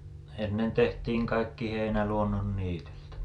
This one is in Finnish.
ennen tehtiin kaikki heinä luonnonniityltä